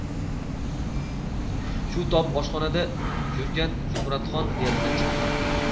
shu tob oshxonada yurgan zumradxon erini chaqirdi